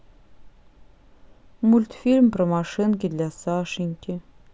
мультфильм про машинки для сашеньки